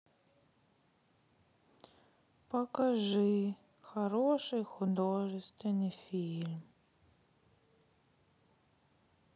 покажи хороший художественный фильм